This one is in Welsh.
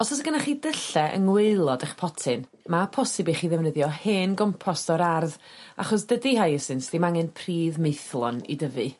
Os o's gynnoch chi dylle yng ngwaelod 'ych potyn ma' posib i chi ddefnyddio hen gompost o'r ardd achos dydi hyasinths ddim angen pridd maethlon i dyfu.